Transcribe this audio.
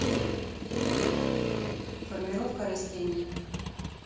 формировка растений